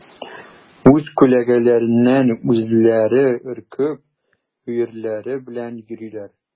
Үз күләгәләреннән үзләре өркеп, өерләре белән йөриләр.